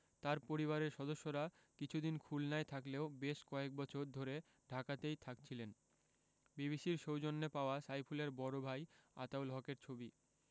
তাঁর পরিবারের সদস্যরা কিছুদিন খুলনায় থাকলেও বেশ কয়েক বছর ধরে ঢাকাতেই থাকছিলেন বিবিসির সৌজন্যে পাওয়া সাইফুলের বড় ভাই আতাউল হকের ছবি